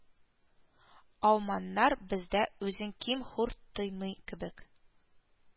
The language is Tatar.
Алманнар бездә үзен ким-хур тоймый кебек